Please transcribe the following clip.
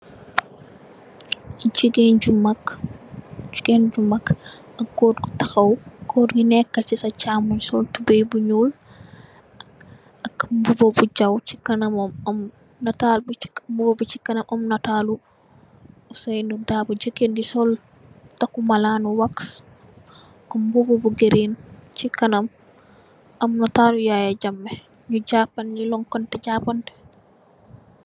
Jigeen ju mak ak goor bu takhaw neka cisa chammoy sol tubey ak mboba bu jaw si kanamam am natalu ousainou darboe jigeen ji takku malan ni wax ak mboba bu giriin am natali yaya jammeh nyu lokanye nyu japante.